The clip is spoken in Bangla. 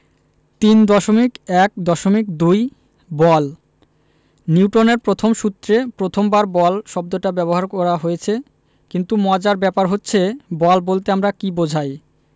৩.১.২ বল নিউটনের প্রথম সূত্রে প্রথমবার বল শব্দটা ব্যবহার করা হয়েছে কিন্তু মজার ব্যাপার হচ্ছে বল বলতে আমরা কী বোঝাই